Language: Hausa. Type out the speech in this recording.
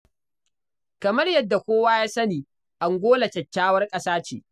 Kamar yadda kowa ya sani, Angola kyakkywar ƙasa ce.